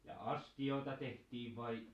ja astioita tehtiin vai